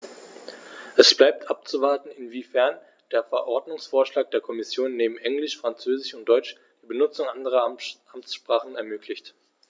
Es bleibt abzuwarten, inwiefern der Verordnungsvorschlag der Kommission neben Englisch, Französisch und Deutsch die Benutzung anderer Amtssprachen ermöglicht.